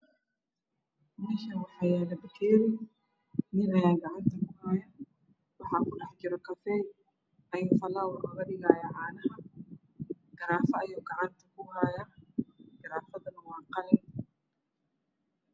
Meshan waxa yaalo bakeeri wil aya gacanta ku hayo waxa ugu dhacjiro kafeey canaha ayoow falowir uga dhigayaa garafo ayoow gacanta ku hayaa garafadonah waa qalin